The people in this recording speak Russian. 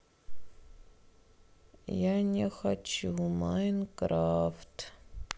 я не хочу майнкрафт